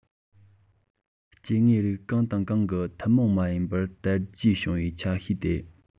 སྐྱེ དངོས རིགས གང དང གང གི ཐུན མོང མ ཡིན པར དར རྒྱས བྱུང བའི ཆ ཤས དེ